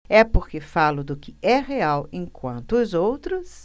é porque falo do que é real enquanto os outros